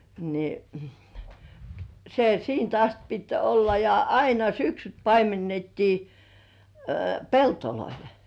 niin se siitä asti piti olla ja aina syksyt paimennettiin pelloilla